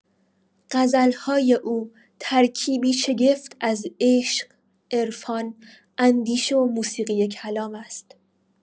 غزل‌های او ترکیبی شگفت از عشق، عرفان، اندیشه و موسیقی کلام است.